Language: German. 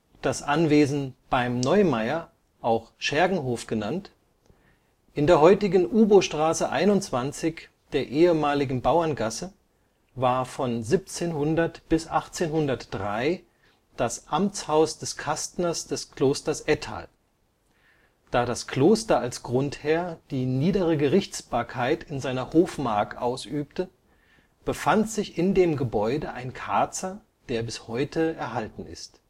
Das Anwesen „ Beim Neumaier “, auch „ Schergenhof “genannt, in der heutigen Ubostraße 21, der ehemaligen Bauerngasse, war von 1700 bis 1803 das Amtshaus des Kastners des Klosters Ettal. Da das Kloster als Grundherr die niedere Gerichtsbarkeit in seiner Hofmark ausübte, befand sich in dem Gebäude ein Karzer, der bis heute erhalten ist